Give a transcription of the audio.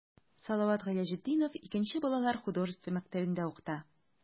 Салават Гыйләҗетдинов 2 нче балалар художество мәктәбендә укыта.